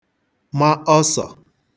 ma ọsọ̀